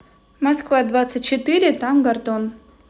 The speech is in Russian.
москва двадцать четыре там гордон